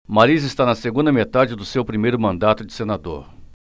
mariz está na segunda metade do seu primeiro mandato de senador